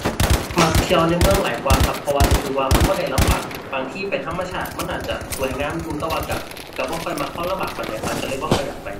มักเที่ยวในเมืองหลายกว่าครับ เพราะว่ารู้สึกว่ามันบ่ได้ลำบาก บางทีไปถ้าธรรมชาติมันน่าจะสวยงามอยู่ แต่ว่าก็ ก็บ่ค่อยมักความลำบากปานใดครับ ก็เลยบ่ค่อยอยากไป